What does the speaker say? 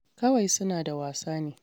“Kawai suna da wasa ne.